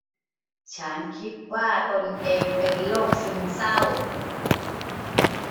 ฉันคิดว่าตนเองเป็นโรคซึมเศร้า